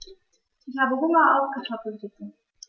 Ich habe Hunger auf Kartoffelsuppe.